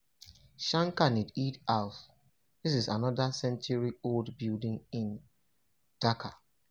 ShankhaNidhi House This is another century-old building in Dhaka.